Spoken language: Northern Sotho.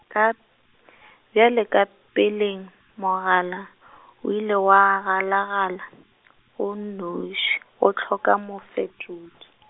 ka , bjale ka peleng, mogala, o ile wa galagala, o nnoši o hloka mofetodi.